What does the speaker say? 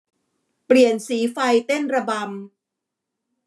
เปลี่ยนสีไฟเต้นระบำ